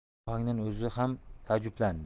bu ohangdan o'zi ham taajjublandi